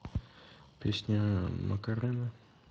песня макарена